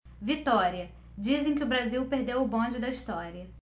vitória dizem que o brasil perdeu o bonde da história